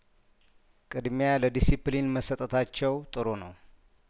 ቅድሚያ ለዲሲፒሊን መሰጠታቸው ጥሩ ነው